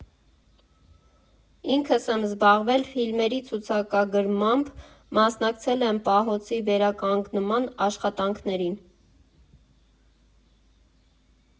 «Ինքս եմ զբաղվել ֆիլմերի ցուցակագրմամբ, մասնակցել եմ պահոցի վերականգնման աշխատանքներին։